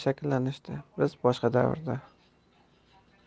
shakllanishdi biz boshqa davrda